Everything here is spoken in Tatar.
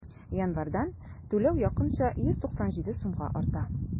Январьдан түләү якынча 197 сумга арта.